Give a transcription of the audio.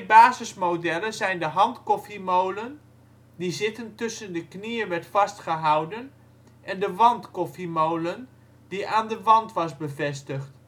basismodellen zijn de handkoffiemolen, die zittend tussen de knieën werd vastgehouden, en de wandkoffiemolen, die aan de wand was bevestigd